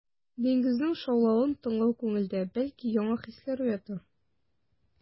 Диңгезнең шаулавын тыңлау күңелдә, бәлки, яңа хисләр уятыр.